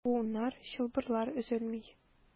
Буыннар, чылбырлар өзелми.